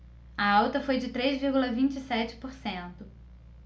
a alta foi de três vírgula vinte e sete por cento